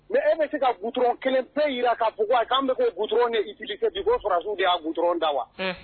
mais e bɛ se ka goudron 1 pe jira k'an bɛ k'o goudron utiliser k'a fɔ ko sɔrsiw ye o goudron da wa?